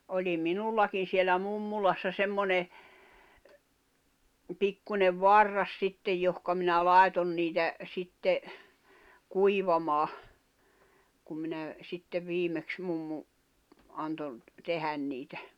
oli minullakin siellä mummolassa semmoinen pikkuinen varras sitten johon minä laitoin niitä sitten kuivamaan kun minä sitten viimeksi mummo antoi tehdä niitä